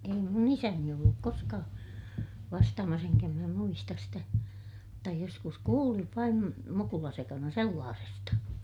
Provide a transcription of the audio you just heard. ei minun isäni ollut koskaan vastaamassa enkä minä muista sitä mutta joskus kuulin vain mukulasekana sellaisesta